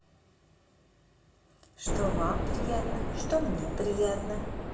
что вам приятно что мне приятно